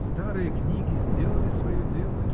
Старые книги сделали свое дело